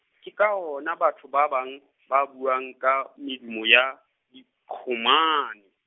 ke ka hona batho ba bang, ba buang ka, medumo ya diqhomane.